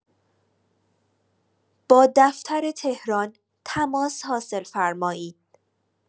با دفتر تهران تماس حاصل فرمایید